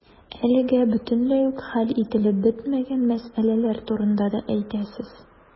Әлегә бөтенләй үк хәл ителеп бетмәгән мәсьәләләр турында да әйтәсез.